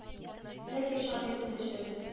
Ләкин Шакир, үз эшен